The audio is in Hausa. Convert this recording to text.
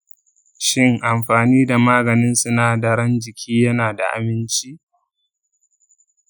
shin amfani da maganin sinadaran jiki yana da aminci?